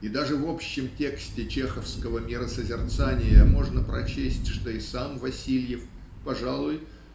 И даже в общем тексте чеховского миросозерцания можно прочесть что и сам Васильев пожалуй